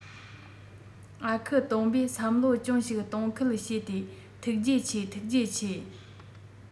ཨ ཁུ སྟོན པས བསམ བློ ཅུང ཞིག གཏོང ཁུལ བྱས ཏེ ཐུགས རྗེ ཆེ ཐུགས རྗེ ཆེ